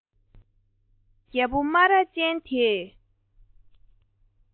དེ སྐབས སུ རྒད པོ རྨ ར ཅན དེས